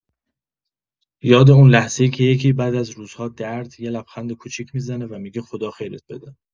یاد اون لحظه‌ای که یکی بعد از روزها درد، یه لبخند کوچیک می‌زنه و می‌گه خدا خیرت بده.